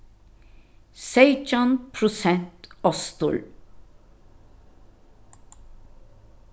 seytjan prosent ostur